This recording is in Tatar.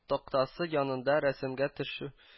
Тактасы янында рәсемгә төшү